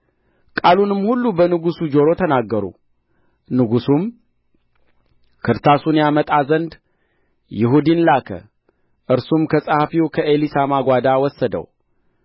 ቃሉንም ሁሉ በንጉሡ ጆሮ ተናገሩ ንጉሡም ክርታሱን ያመጣ ዘንድ ይሁዲን ላከ እርሱም ከጸሐፊው ከኤሊሳማ ጓዳ ወሰደው